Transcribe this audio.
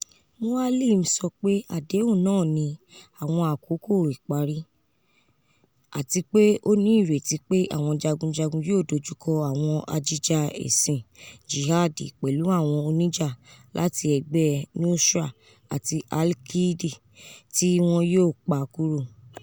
Moualem sọ pe adehun naa ni "awọn akoko ipari" ati pe o ni ireti pe awọn jagunjagun yoo dojuko awọn ajija ẹsin jihadi pẹlu awọn onija lati ẹgbẹ Nusra ti Al-Qaeda, ti wọn yoo "pa kúrò."